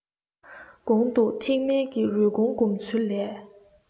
གོང དུ ཐེག དམན གྱི རུས གོང སྒོམ ཚུལ ལས